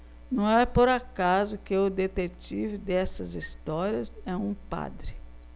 não é por acaso que o detetive dessas histórias é um padre